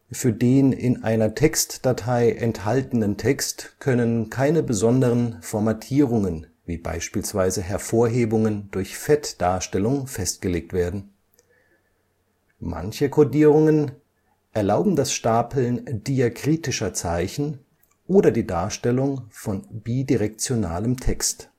Für den in einer Textdatei enthaltenen Text können keine besonderen Formatierungen wie beispielsweise Hervorhebungen durch Fettdarstellung festgelegt werden. Manche Codierungen erlauben das Stapeln diakritischer Zeichen oder die Darstellung von bidirektionalem Text